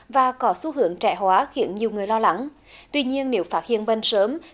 và có xu hướng trẻ hóa khiến nhiều người lo lắng tuy nhiên nếu phát hiện bệnh sớm